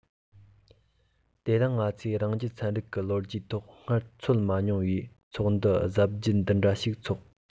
དེ རིང ང ཚོས རང རྒྱལ ཚན རིག གི ལོ རྒྱུས ཐོག སྔར འཚོག མ མྱོང བའི ཚོགས འདུ གཟབ རྒྱས འདི འདྲ ཞིག འཚོག